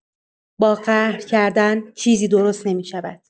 با قهر کردن چیزی درست نمی‌شود!